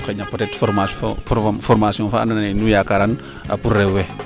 xayna peut etre formation faa anndo naye nu yakaraan pour rew we